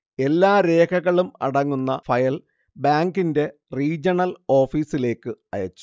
എല്ലാ രേഖകളും അടങ്ങുന്ന ഫയൽ ബാങ്കിന്റെ റീജണൽ ഓഫീസിലേക്ക് അയച്ചു